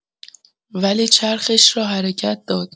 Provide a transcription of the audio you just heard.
ولی چرخش را حرکت داد.